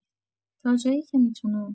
تا جایی که می‌تونم